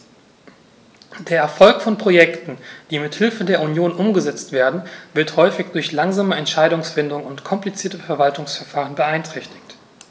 Der Erfolg von Projekten, die mit Hilfe der Union umgesetzt werden, wird häufig durch langsame Entscheidungsfindung und komplizierte Verwaltungsverfahren beeinträchtigt.